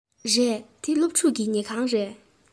རེད འདི སློབ ཕྲུག གི ཉལ ཁང རེད